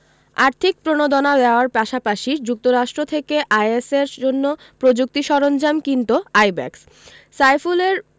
আর্থিক প্রণোদনা দেওয়ার পাশাপাশি যুক্তরাষ্ট্র থেকে আইএসের জন্য প্রযুক্তি সরঞ্জাম কিনত আইব্যাকস সাইফুলের